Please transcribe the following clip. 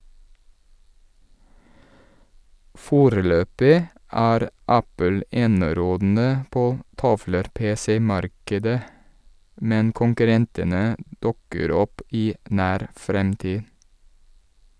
Foreløpig er Apple enerådende på tavle-pc-markedet , men konkurrentene dukker opp i nær fremtid.